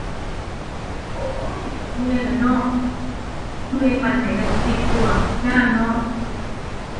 โอ๊ย เมื่อยล่ะเนาะ เมื่อยปานใดก็ต้องเฮ็ดตั่ว งานเนาะ